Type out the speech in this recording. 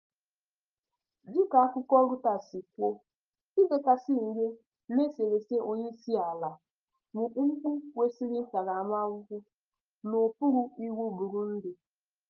Dịka akụkọ Reuters si kwuo, idekasị ihe [n'eserese onyeisiala] bụ mpụ kwesịrị ntaramahụhụ n'okpuru iwu Burundi.